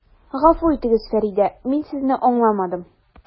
Гафу итегез, Фәридә, мин Сезне аңламадым.